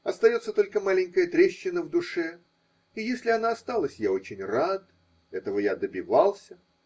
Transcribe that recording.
Остается только маленькая трещина в душе – и если она осталась, я очень рад: этого я добивался.